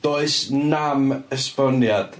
Does 'nam esboniad.